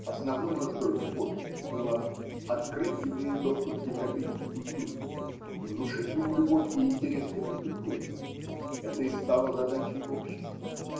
Основной нуждой эпохи было – открыть еврею доступ к европейской культуре, внушить ему любовь и интерес к этой культуре. Это и стало задачей общества.